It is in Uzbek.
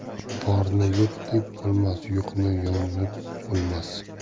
borni yo'q deb bo'lmas yo'qni yo'nib bo'lmas